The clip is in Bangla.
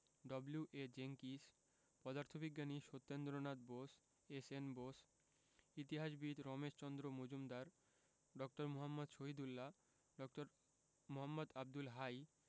ডব্লিউ.এ জেঙ্কিন্স পদার্থবিজ্ঞানী সত্যেন্দ্রনাথ বোস এস.এন বোস ইতিহাসবিদ রমেশচন্দ্র মজুমদার ড. মুহাম্মদ শহীদুল্লাহ মোঃ আবদুল হাই